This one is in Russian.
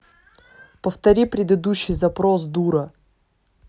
повтори предыдущий запрос дура